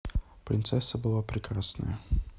принцесса была прекрасная